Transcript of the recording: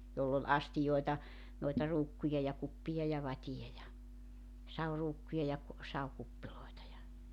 jolla oli astioita noita ruukkuja ja kuppeja ja vateja ja saviruukkuja ja - savikuppeja ja